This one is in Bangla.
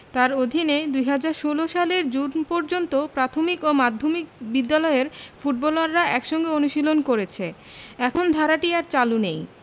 তাঁর অধীনে ২০১৬ সালের জুন পর্যন্ত প্রাথমিক ও মাধ্যমিক বিদ্যালয়ের ফুটবলাররা একসঙ্গে অনুশীলন করেছে এখন ধারাটি আর চালু নেই